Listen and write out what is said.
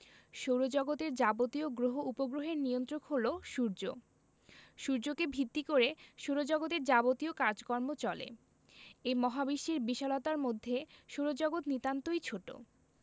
সৌরজগতের যাবতীয় গ্রহ উপগ্রহের নিয়ন্ত্রক হলো সূর্য সূর্যকে ভিত্তি করে সৌরজগতের যাবতীয় কাজকর্ম চলে এই মহাবিশ্বের বিশালতার মধ্যে সৌরজগৎ নিতান্তই ছোট